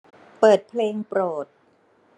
เปิดเพลงโปรด